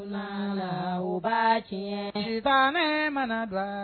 Fila ba kɛ fa manabila